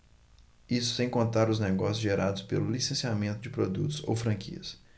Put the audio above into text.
isso sem contar os negócios gerados pelo licenciamento de produtos ou franquias